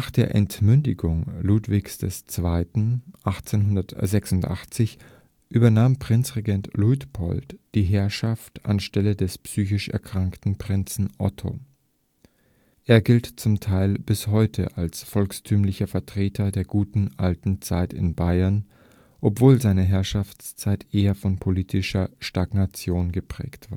der Entmündigung Ludwigs II. 1886 übernahm Prinzregent Luitpold die Herrschaft anstelle des psychisch erkrankten Prinzen Otto. Er gilt zum Teil bis heute als volkstümlicher Vertreter der „ guten alten Zeit “in Bayern, obwohl seine Herrschaftszeit eher von politischer Stagnation geprägt